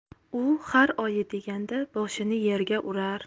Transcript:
u har oyi deganda boshini yerga urar